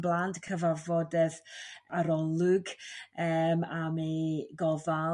blant cyfarfodydd arolwg yym am ei gofal